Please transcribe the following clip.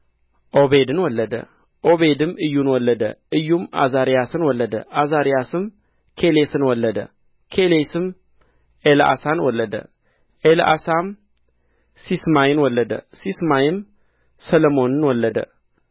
ዖቤድን ወለደ ዖቤድም ኢዩን ወለደ ኢዩም ዓዛርያስን ወለደ ዓዛርያስም ኬሌስን ወለደ ኬሌስም ኤልዓሣን ወለደ ኤልዓሣም ሲስማይን ወለደ ሲስማይም ሰሎምን ወለደ